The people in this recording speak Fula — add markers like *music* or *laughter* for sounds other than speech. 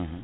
*hesitation* *hesitation*